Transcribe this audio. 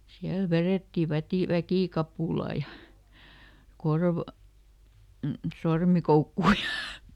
siellä vedettiin - väkikapula ja - sormikoukkua ja